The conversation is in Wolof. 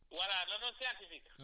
asonosordis